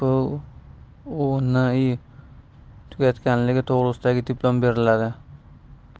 rdpuni tugatganligi to'g'risida diplom beriladi